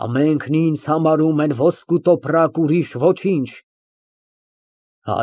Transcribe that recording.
Ամենքն ինձ համարում են ոսկու տոպրակ, ուրիշ ոչինչ։